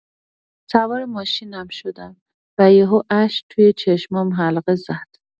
سوار ماشینم شدم و یه‌هو اشک توی چشم‌هام حلقه زد.